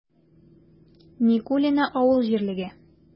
Микулино авыл җирлеге